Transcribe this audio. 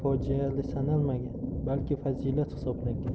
fojia sanalmagan balki fazilat hisoblangan